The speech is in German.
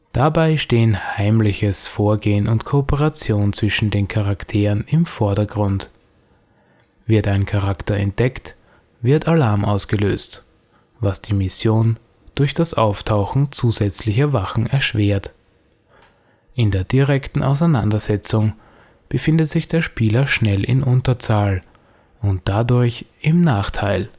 Dabei stehen heimliches Vorgehen und Kooperation zwischen den Charakteren im Vordergrund; wird ein Charakter entdeckt, wird Alarm ausgelöst, was die Mission durch das Auftauchen zusätzlicher Wachen erschwert. In der direkten Auseinandersetzung befindet sich der Spieler schnell in Unterzahl und dadurch im Nachteil